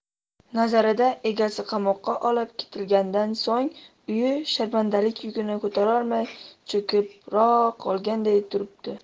nazarida egasi qamoqqa olib ketilganidan so'ng uyi sharmandalik yukini ko'tarolmay cho'kibroq qolganday tuyuldi